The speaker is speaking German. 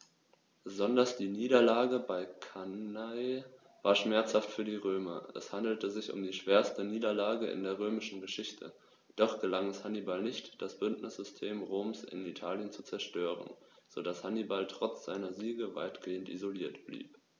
Besonders die Niederlage bei Cannae war schmerzhaft für die Römer: Es handelte sich um die schwerste Niederlage in der römischen Geschichte, doch gelang es Hannibal nicht, das Bündnissystem Roms in Italien zu zerstören, sodass Hannibal trotz seiner Siege weitgehend isoliert blieb.